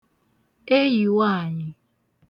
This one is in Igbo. eyì nwaànyị̀